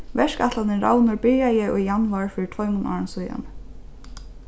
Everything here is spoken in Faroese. verkætlanin ravnur byrjaði í januar fyri tveimum árum síðani